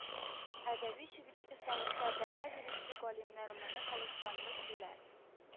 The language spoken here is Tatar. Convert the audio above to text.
Әдәби, шигьри осталыкка бәя бирүче галимнәр моны халыкчанлык диләр